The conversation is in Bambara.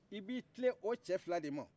i b'i tilen o cɛ fila de ma